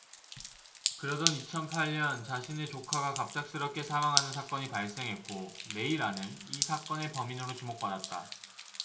그러던 이천 팔 년 자신의 조카가 갑작스럽게 사망하는 사건이 발생했고 메이라는 이 사건의 범인으로 지목받았다